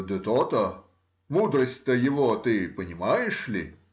— Да то-то; мудрость-то его ты понимаешь ли?